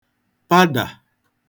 padà